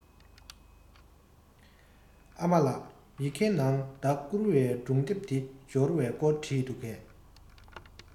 ཨ མ ལགས ཡི གེ ནང ཟླ བསྐུར བའི སྒྲུང དེབ དེ འབྱོར བའི སྐོར བྲིས འདུག གས